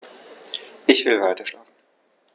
Ich will weiterschlafen.